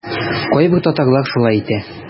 Кайбер татарлар шулай әйтә.